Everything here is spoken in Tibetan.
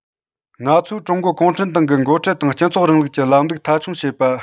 ང ཚོས ཀྲུང གོའི གུང ཁྲན ཏང གི འགོ ཁྲིད དང སྤྱི ཚོགས རིང ལུགས ཀྱི ལམ ལུགས མཐའ འཁྱོངས བྱེད པ